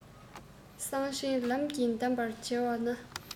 གསང ཆེན ལམ གྱི གདམས པར མཇལ བ ན